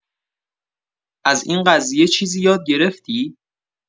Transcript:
از این قضیه چیزی یاد گرفتی؟